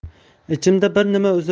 ichimda bir nima